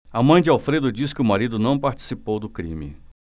a mãe de alfredo diz que o marido não participou do crime